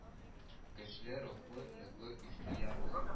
Көчле рухлы, ныклы ихтыярлы